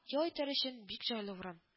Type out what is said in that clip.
— ял итәр өчен бик җайлы урын